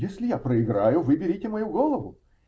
-- Если я проиграю, вы берите мою голову.